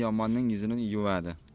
yomonning yuzini yuvadi